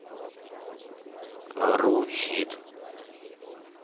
ру хит